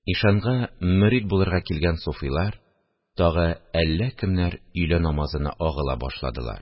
Ишанга мөрит булырга килгән суфилар, тагын әллә кемнәр өйлә намазына агыла башладылар